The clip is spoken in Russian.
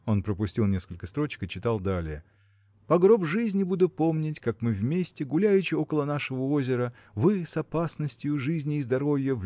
Он пропустил несколько строчек и читал далее По гроб жизни буду помнить как мы вместе гуляючи около нашего озера вы с опасностию жизни и здоровья